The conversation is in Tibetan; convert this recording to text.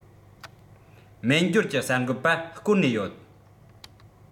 སྨྱན སྦྱོར གྱི གསར འགོད པ བསྐོར ནས ཡོད